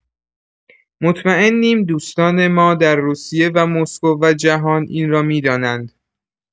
مطمئنیم دوستان ما در روسیه و مسکو و جهان این را می‌دانند.